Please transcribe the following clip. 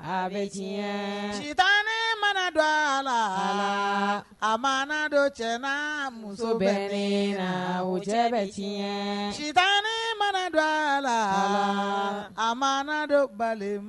A bɛ suta mana dɔ a la a ma dɔ cɛ muso bɛ la o cɛ bɛ sutan mana don a la a ma don bali